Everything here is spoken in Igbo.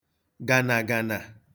gànàgànà